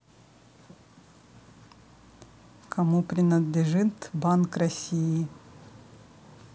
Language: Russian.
кому принадлежит банк россии